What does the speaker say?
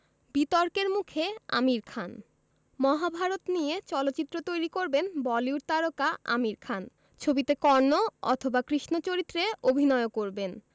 বিতর্কের মুখে আমির খান মহাভারত নিয়ে চলচ্চিত্র তৈরি করবেন বলিউড তারকা আমির খান ছবিতে কর্ণ অথবা কৃষ্ণ চরিত্রে অভিনয়ও করবেন